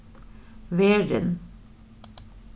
verðin